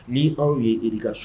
Ni aw yee ka so